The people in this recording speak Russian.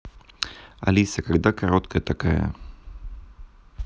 алиса когда которая такая